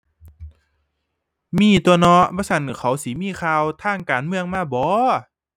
มีตั่วเนาะ บ่ซั้นเขาสิมีข่าวทางการเมืองมาบ่